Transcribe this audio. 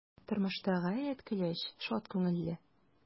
Тормышта гаять көләч, шат күңелле.